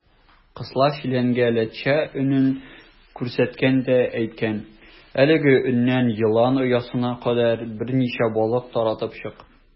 Кысла челәнгә ләтчә өнен күрсәткән дә әйткән: "Әлеге өннән елан оясына кадәр берничә балык таратып чык".